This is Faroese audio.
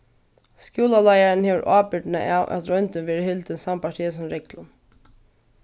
skúlaleiðarin hevur ábyrgdina av at royndin verður hildin sambært hesum reglum